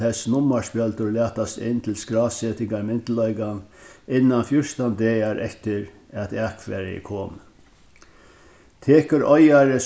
tess nummarspjøldur latast inn til skrásetingarmyndugleikan innan fjúrtan dagar eftir at akfarið er komið tekur eigari